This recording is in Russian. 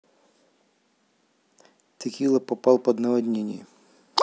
текила попал под наводнение